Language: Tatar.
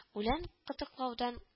Үлән кытыклаудан